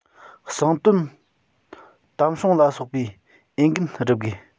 གསང དོན དམ སྲུང ལ སོགས པའི འོས འགན བསྒྲུབ དགོས